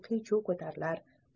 qiy chuv ko'tarilar